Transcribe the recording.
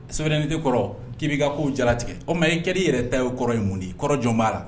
Souveraineté kɔrɔ, k'i b'i ka kow jaratigɛ, o tuma i kɛr'i yɛrɛ ta ye mun ye, kɔrɔ jɔn b'a la